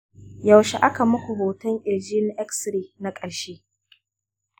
yaushe aka muku hoton ƙirji na x-ray na ƙarshe?